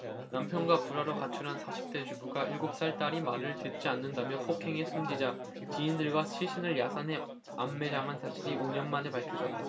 남편과 불화로 가출한 사십 대 주부가 일곱 살 딸이 말을 듣지 않는다며 폭행해 숨지자 지인들과 시신을 야산에 암매장한 사실이 오 년만에 밝혀졌다